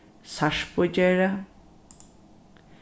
sarpugerði